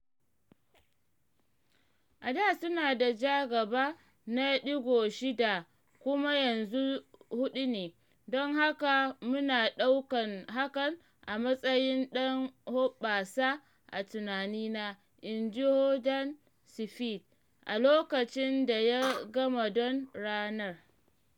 “A da suna da ja gaba na ɗigo shida kuma yanzu huɗu ne, don haka muna ɗaukan hakan a matsayin dan hoɓɓasa a tunanina,” inji Jordan Spieth a lokacin da ya gama don ranar.